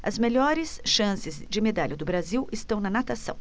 as melhores chances de medalha do brasil estão na natação